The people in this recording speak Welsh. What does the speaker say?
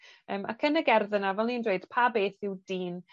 Yym ac yn y gerdd yna fel o'n i'n dweud Pa Beth yw Dyn?